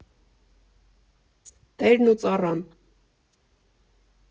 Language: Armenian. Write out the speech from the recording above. Տերն ու ծառան։